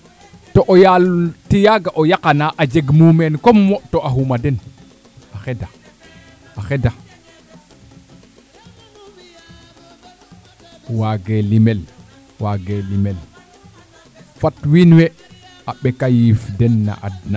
to o yaal tiya ga o yaqana a jegg muumeen comme wo to a xuma den a xeda a xeda waage limel wage limel fat wiin we a ɓeka yiif den na adna